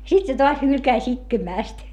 sitten se taas hylkäsi itkemästä